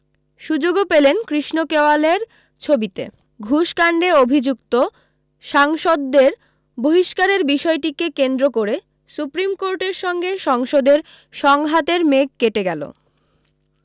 সু্যোগও পেলেন কৃষ্ণ কেওয়ালের ছবিতে ঘুষ কাণ্ডে অভি্যুক্ত সাংসদদের বহিষ্কারের বিষয়টিকে কেন্দ্র করে সুপ্রিম কোর্টের সঙ্গে সংসদের সংঘাতের মেঘ কেটে গেল